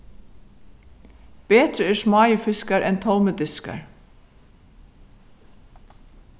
betri eru smáir fiskar enn tómir diskar